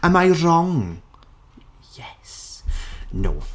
Am I wrong? Yes. No!